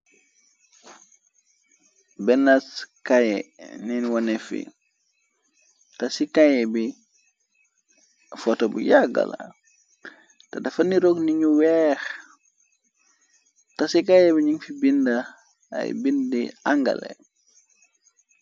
Benac kaye neen wone fi, ta si kaye bi foto bu yaggala, te dafa ni rog niñu weex, ta si kaye bi nin fi bind ay bind angale.